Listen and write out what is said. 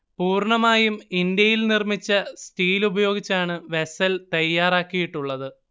പൂർണ്ണമായും ഇന്ത്യയിൽ നിർമ്മിച്ച സ്റ്റീൽ ഉപയോഗിച്ചാണ് വെസൽ തയ്യാറാക്കിയിട്ടുള്ളത്